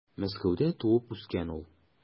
Мәскәүдә туып үскән ул.